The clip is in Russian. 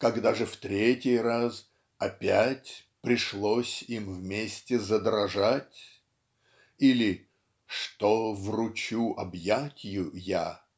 Когда же в третий раз, опять Пришлось им вместе задрожать. или Что вручу объятью я?